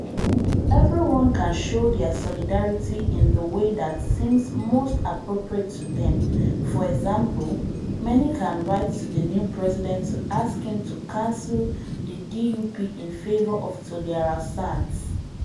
Everyone can show their solidarity in the way that seems most appropriate to them — for example, many can write to the new president to ask him to cancel the DUP in favor of Toliara Sands.